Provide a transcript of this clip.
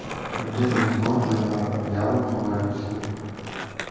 unga mezbon jamoa yarim